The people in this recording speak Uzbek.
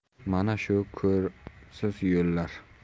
mana shu ko'rimsiz yo'llar